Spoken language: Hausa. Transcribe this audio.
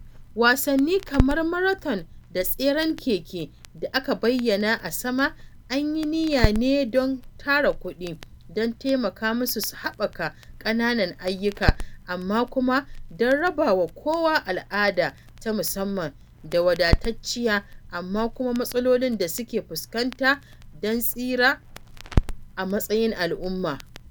Wasanni kamar marathon da tseren keke da aka bayyana a sama an yi niyya ne don tara kuɗi don taimaka musu su haɓaka ƙananan ayyuka amma kuma don raba wa kowa al’ada ta musamman da wadatacciya, amma kuma matsalolin da suke fuskanta don tsira a matsayin al’umma.